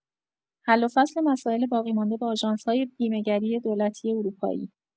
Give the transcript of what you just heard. حل‌وفصل مسائل باقیمانده با آژانس‌های بیمه‌گری دولتی اروپایی